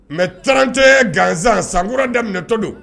Mɛ trante gansan sankurauran daminɛtɔ don